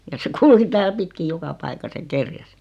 ja se kulki täällä pitkin joka paikassa ja kerjäsi